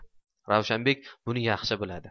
ravshanbek buni yaxshi biladi